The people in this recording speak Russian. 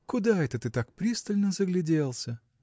– Куда это ты так пристально загляделся?